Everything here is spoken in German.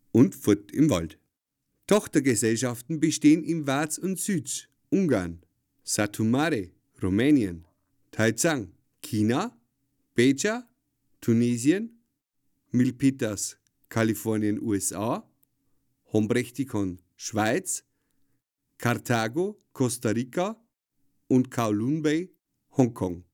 und Furth im Wald. Tochtergesellschaften bestehen in Vác und Szügy (Ungarn), Satu Mare (Rumänien), Taicang (China), Beja (Tunesien), Milpitas (Kalifornien USA), Hombrechtikon (Schweiz), Cartago (Costa Rica) und Kowloon Bay (Hongkong